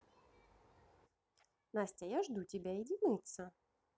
настя я жду тебя иди мыться